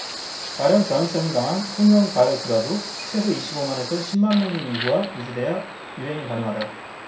가령 전염성이 강한 홍역 바이러스라도 최소 이십 오 만 에서 쉰 만명의 인구가 유지돼야 유행이 가능하다